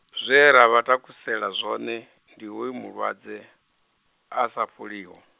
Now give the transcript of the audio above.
zwe ra vha takusela zwone, ndi hoyu mulwadze, asa fholiho.